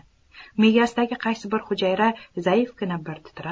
miyasidagi qaysi bir hujayra zaifgina bir titrab